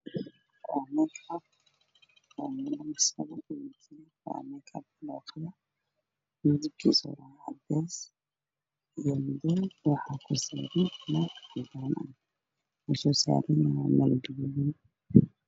Waxaa ii muuqda caadado ay kareen ku jiraan oo saaran meel miis ah waxaa ku sawiran islaan cadaan oo